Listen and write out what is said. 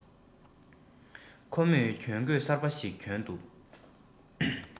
ཁོ མོས གྱོན གོས གསར པ ཞིག གྱོན འདུག